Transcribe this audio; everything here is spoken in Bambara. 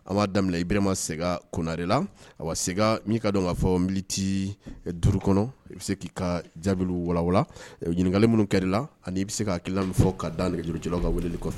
An b'a daminɛ Ibirahima sega Konare la, a k'a don k'a fɔ minutes 5 kɔnɔ, i bɛ se k'i ka jaabi ninnu wala wala walima ɲinikali minu kɛra i la, an'i bɛ se ka hakilila fɔ ka da nɛgɛjuruci la ninu ka weele kɔfɛ.